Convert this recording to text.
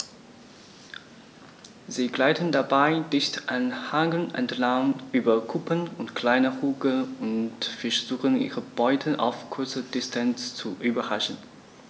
Sie gleiten dabei dicht an Hängen entlang, über Kuppen und kleine Hügel und versuchen ihre Beute auf kurze Distanz zu überraschen.